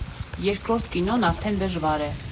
Երկրորդ կինոն արդեն դժվար է։